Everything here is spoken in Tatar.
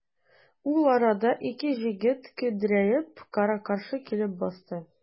Ул арада ике җегет көдрәеп кара-каршы килеп басты.